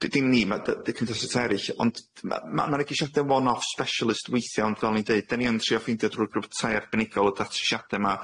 D- dim ni, ma' dy- 'di cymdeithase erill. Ond ma' ma' ma' 'ne geisiade one off specialist weithia', ond fel o'n i'n deud 'den ni yn trio ffeindio drw'r Grŵp Tai Arbenigol y datrisiade 'ma.